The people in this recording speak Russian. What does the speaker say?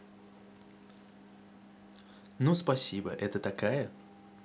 ну спасибо это такая